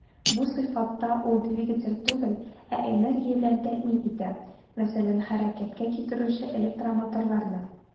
Бу сыйфатта ул двигатель түгел, ә энергия белән тәэмин итә, мәсәлән, хәрәкәткә китерүче электромоторларны.